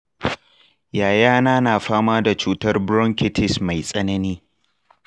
yayana na fama da cutar bronkitis mai tsanani.